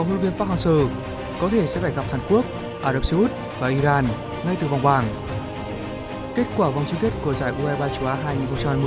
luyện viên pác hăng sơ có thể sẽ phải gặp hàn quốc ả rập xê út và i ran ngay từ vòng bảng kết quả vòng chung kết của giải u hai ba châu á hai nghìn không trăm